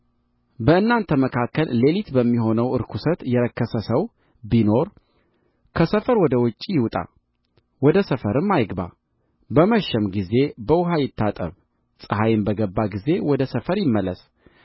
በእናንተ መካከል ሌሊት በሚሆነው ርኵሰት የረከስ ሰው ቢኖር ከሰፈር ወደ ውጭ ይውጣ ወደ ሰፈርም አይግባ በመሸም ጊዜ በውኃ ይታጠብ ፀሐይም በገባ ጊዜ ወደ ሰፈር ይመለስ